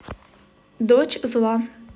дочь зла